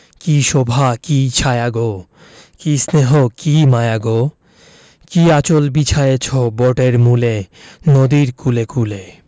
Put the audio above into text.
কী শোভা কী ছায়া গো কী স্নেহ কী মায়া গো কী আঁচল বিছায়েছ বটের মূলে নদীর কূলে কূলে